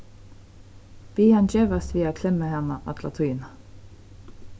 bið hann gevast við at klemma hana alla tíðina